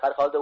har holda